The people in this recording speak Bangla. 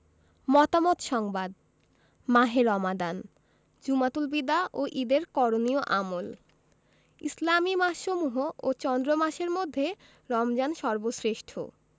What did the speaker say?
মতামত সংবাদ মাহে রমাদান জুমাতুল বিদা ও ঈদের করণীয় আমল ইসলামি মাসসমূহ ও চন্দ্রমাসের মধ্যে রমজান সর্বশ্রেষ্ঠ